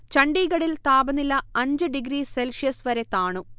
ചണ്ഡീഗഢിൽ താപനില അഞ്ച് degree Celsius വരെ താണു